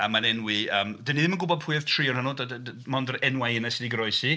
A mae'n enwi... yym dan ni ddim yn gwybod pwy oedd 3 ohonyn nhw d- d- d- mond yr enwau yna sy 'di goroesi.